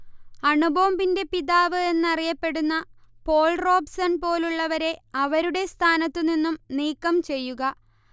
അണുബോംബിന്റെ പിതാവ് എന്നറിയപ്പെടുന്ന Paul Robson പോലുള്ളവരെ അവരുടെ സ്ഥാനത്തു നിന്നും നീക്കംചെയ്യുക